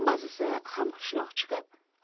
ba'zisi hamqishloq chiqib